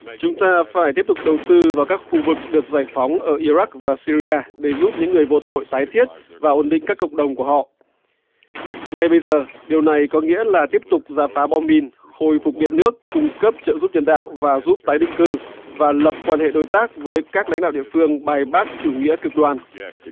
chúng ta phải tiếp tục đầu tư vào các khu vực được giải phóng ở i rắc và si ri a để giúp những người vô tội tái thiết và ổn định các cộng đồng của họ ngay bây giờ điều này có nghĩa là tiếp tục rà phá bom mìn khôi phục điện nước cung cấp trợ giúp nhân đạo và giúp tái định cư và lập quan hệ đối tác với các lãnh đạo địa phương bài bác chủ nghĩa cực đoan